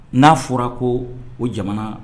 N'a fɔra ko o jamana